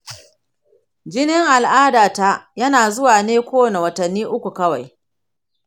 jinin al’adata yana zuwa ne kowane watanni uku kawai.